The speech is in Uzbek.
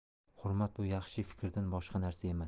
hurmat bu yaxshi fikrdan boshqa narsa emas